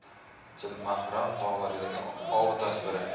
chilmahram tog'laridagi ov tasviri